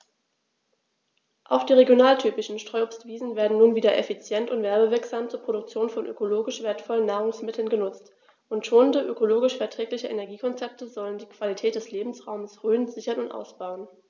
Auch die regionaltypischen Streuobstwiesen werden nun wieder effizient und werbewirksam zur Produktion von ökologisch wertvollen Nahrungsmitteln genutzt, und schonende, ökologisch verträgliche Energiekonzepte sollen die Qualität des Lebensraumes Rhön sichern und ausbauen.